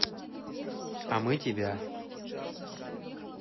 а мы тебя